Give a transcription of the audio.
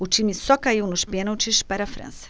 o time só caiu nos pênaltis para a frança